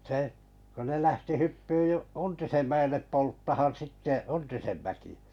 se kun ne lähti hyppyyn - Untisen mäelle polttamaan sitten Untisen mäkeä